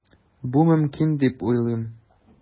Бу мөмкин дип уйлыйм.